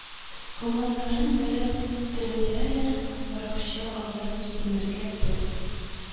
Комганнарын бәреп төшерәләр, баракта аяк киемнәренә пес